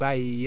trop